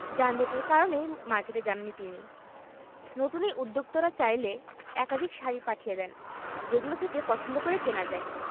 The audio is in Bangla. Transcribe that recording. যানজটের কারণেই মার্কেটে যাননি তিনি নতুন এই উদ্যোক্তারা চাইলে একাধিক শাড়ি পাঠিয়ে দেন যেগুলো থেকে পছন্দ করে কেনা যায়